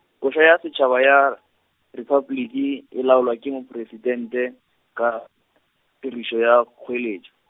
koša ya setšhaba ya, Repabliki e laolwa ke mopresitente, ka tirišo ya, kgoeletšo.